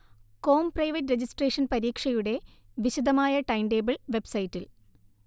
com private registration പരീക്ഷയുടെ വിശദമായ timetable വെബ്സൈറ്റിൽ